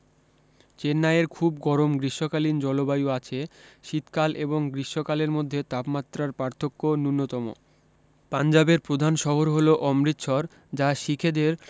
চেন্নাইের খুব গরম গ্রীষ্মকালীন জলবায়ু আছে শীতকাল এবং গ্রীষ্মকালের মধ্যে তাপমাত্রার পার্থক্য ন্যূনতম পাঞ্জাবের প্রধান শহর হল অমৃতসর যা শিখেদের